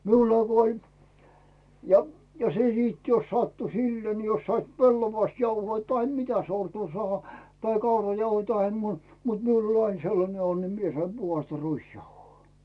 minulla kun oli ja ja se sitten jos sattui silleen niin jos saivat pellavasta jauhoja tai mitä sortua saada tai kaurajauhoja tai muuta mutta minulla oli aina sellainen onni minä sain puhdasta ruisjauhoa